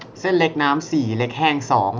เล็กน้ำสี่เล็กแห้งสอง